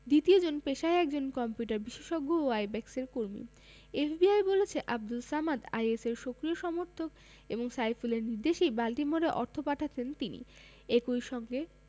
দ্বিতীয়জন পেশায় একজন কম্পিউটার বিশেষজ্ঞ ও আইব্যাকসের কর্মী এফবিআই বলছে আবদুল সামাদ আইএসের সক্রিয় সমর্থক এবং সাইফুলের নির্দেশেই বাল্টিমোরে অর্থ পাঠাতেন তিনি একই সঙ্গে